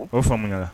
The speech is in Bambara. O faamuya